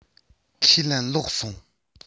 ཁས ལེན ལོག སོང